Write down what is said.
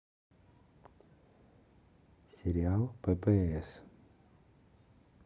сериал ппс